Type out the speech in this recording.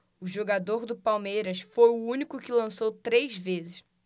o jogador do palmeiras foi o único que lançou três vezes